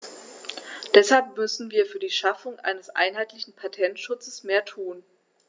Deshalb müssen wir für die Schaffung eines einheitlichen Patentschutzes mehr tun.